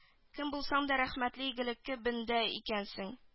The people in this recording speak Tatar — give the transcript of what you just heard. Кем булсаң да рәхмәтле игелекле бәндә икәнсең